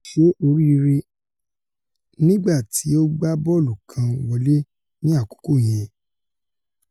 À ṣe oríire nígbà tí ó gbá bọ́ọ̀lù kan wọlé ní àkókò yẹn.''